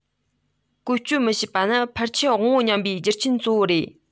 བཀོལ སྤྱོད མི བྱེད པ ནི ཕལ ཆེར དབང པོ ཉམས པའི རྒྱུ རྐྱེན གཙོ བོ རེད